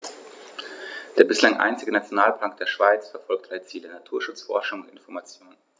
Der bislang einzige Nationalpark der Schweiz verfolgt drei Ziele: Naturschutz, Forschung und Information.